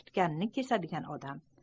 u tutganini kesadigan odam